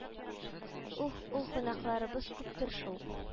Ух-ух гөнаһларыбыз күптер шул